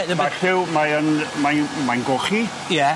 Dyna be-... Ma'r lliw mae yn mae'n mae'n gochi. Ie.